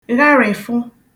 gharị̀fụ